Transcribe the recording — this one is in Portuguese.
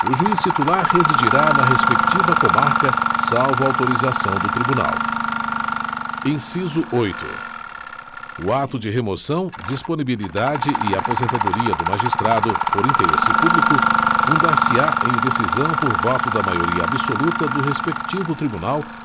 o juiz titular residirá na respectiva comarca salvo autorização do tribunal inciso oito o ato de remoção disponibilidade e aposentadoria do magistrado por interesse público fundar se á em decisão por voto da maioria absoluta do respectivo tribunal